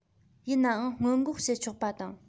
ཡིན ནའང སྔོན འགོག བྱེད ཆོག པ དང